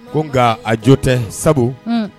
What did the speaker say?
Ko nka a jo tɛ sabu